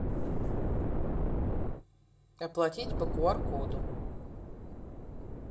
оплатить по куар коду